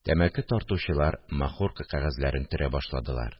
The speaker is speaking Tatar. Тәмәке тартучылар махорка кәгазьләрен төрә башладылар